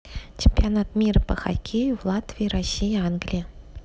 чемпионат мира по хоккею в латвии россия англия